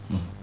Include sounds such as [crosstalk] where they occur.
[hesitation] [hesitation]